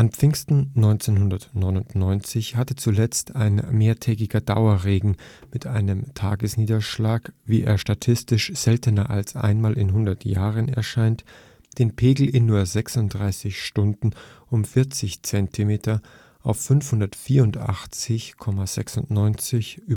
Pfingsten 1999 hatte zuletzt ein mehrtägiger Dauerregen mit einem Tagesniederschlag, wie er statistisch seltener als einmal in hundert Jahren erscheint, den Pegel in nur 36 Stunden um 40 Zentimeter auf 584,96 m ü. NN